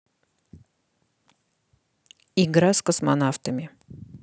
игра с космонавтами